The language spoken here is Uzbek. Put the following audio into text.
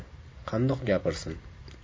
qandoq gapirsin